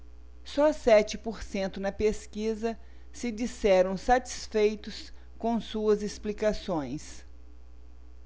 só sete por cento na pesquisa se disseram satisfeitos com suas explicações